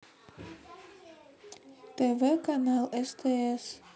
тв канал стс